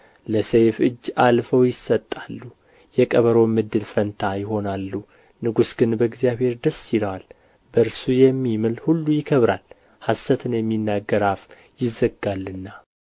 ለሰይፍ እጅ አልፈው ይሰጣሉ የቀበሮም እድል ፈንታ ይሆናሉ ንጉሥ ግን በእግዚአብሔር ደስ ይለዋል በእርሱ የሚምል ሁሉ ይከብራል ሐሰትን የሚናገር አፍ ይዘጋልና